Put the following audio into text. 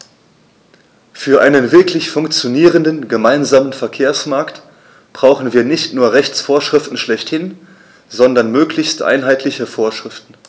Für einen wirklich funktionierenden gemeinsamen Verkehrsmarkt brauchen wir nicht nur Rechtsvorschriften schlechthin, sondern möglichst einheitliche Vorschriften.